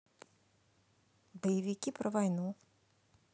боевики про войну